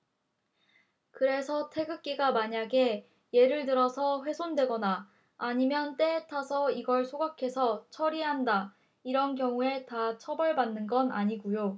그래서 태극기가 만약에 예를 들어서 훼손되거나 아니면 때에 타서 이걸 소각해서 처리한다 이런 경우에 다 처벌받는 건 아니고요